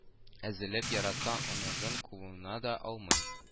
Өзелеп яраткан оныгын кулына да алмый